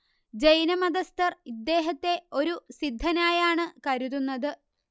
ജൈനമതസ്തർ ഇദ്ദേഹത്തെ ഒരു സിദ്ധനായാണ് കരുതുന്നത്